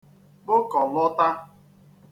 kpokọ̀lota